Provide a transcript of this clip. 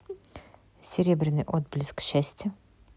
серебряный отблеск счастья